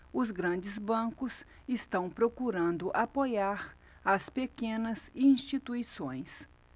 os grandes bancos estão procurando apoiar as pequenas instituições